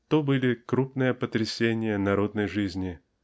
То были крупные потрясения народной жизни